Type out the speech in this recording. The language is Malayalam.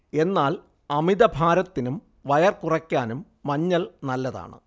എന്നാൽ അമിതഭാരത്തിനും വയർ കുറക്കാനും മഞ്ഞൾ നല്ലതാണ്